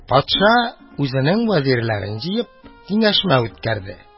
Патша, үзенең вәзирләрен җыеп, киңәшмә үткәрде.